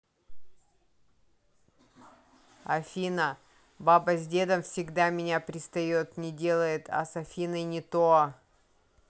афина баба с дедом всегда меня пристает не делает а с афиной не то